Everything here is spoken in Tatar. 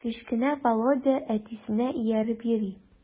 Кечкенә Володя әтисенә ияреп йөри.